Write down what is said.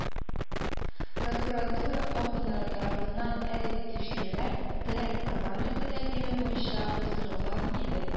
Прокуратура органнары тарафыннан әлеге тикшерүләр ТР парламенты тәкъдиме буенча уздырылган иде